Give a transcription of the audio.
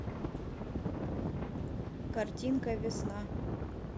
картинка весна